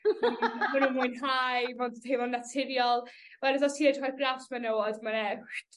ma' nw'n mwynhsu fod teimlo'n naturiol. Wedyn os ti edrych ar graffs menywod ma' 'na